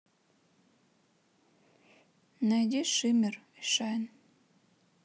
найди шиммер и шайн